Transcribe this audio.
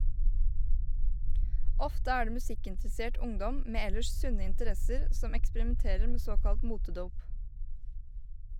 Ofte er det musikkinteressert ungdom med ellers sunne interesser som eksperimenterer med såkalt motedop.